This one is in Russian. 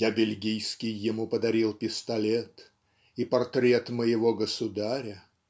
Я бельгийский ему подарил пистолет И портрет моего государя.